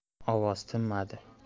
ovoz tinmadi